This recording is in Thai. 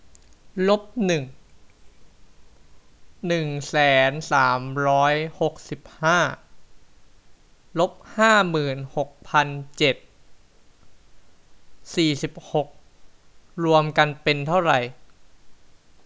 ลบหนึ่งหนึ่งแสนสามร้อยหกสิบห้าลบห้าหมื่นหกพันเจ็ดสี่สิบหกรวมกันเป็นเท่าไหร่